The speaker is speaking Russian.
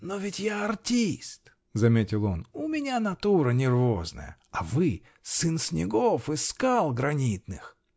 "Но ведь я артист, -- заметил он, -- у меня натура нервозная, а вы -- сын снегов и скал гранитных".